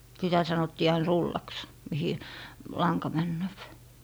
sitä sanottiin aina rullaksi mihin lanka menee